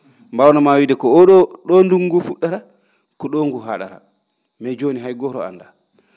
mbaawno maa wiide ko oo ?oo ?oo ndunngu nguu fu??ara ko ?o ngu ha?ara mais jooni hay gooro anndaa